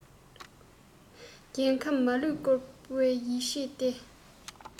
རྒྱལ ཁམས མ ལུས པར བསྐོར བའི ཡིད ཆེས བརྟས